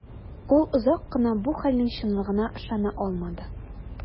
Ул озак кына бу хәлнең чынлыгына ышана алмады.